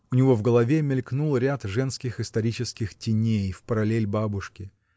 У него в голове мелькнул ряд женских исторических теней в параллель бабушке.